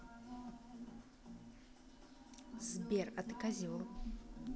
сбер а ты козел